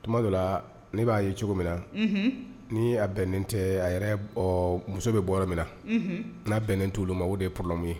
Tuma dɔ ne b'a ye cogo min na, u nhun, ni a bɛnnen tɛ a yɛrɛ muso bɛ bɔ min na, unhun, n'a bɛnnen t_olu ma o de ye problème ye